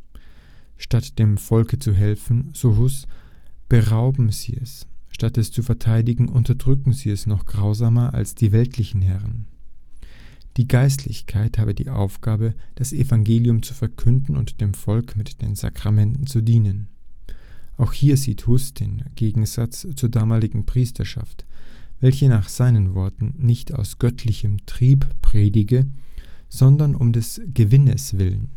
Statt dem Volke zu helfen – so Hus –, berauben sie es, statt es zu verteidigen, unterdrücken sie es noch grausamer als die weltlichen Herren. Die Geistlichkeit habe die Aufgabe, das Evangelium zu verkünden und dem Volk mit den Sakramenten zu dienen. Auch hier sieht Hus den Gegensatz zur damaligen Priesterschaft, welche nach seinen Worten nicht aus „ göttlichem Trieb “predige, sondern um des Gewinnes willen